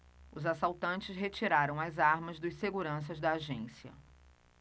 os assaltantes retiraram as armas dos seguranças da agência